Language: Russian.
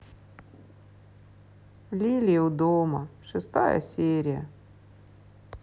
лилии у дома шестая серия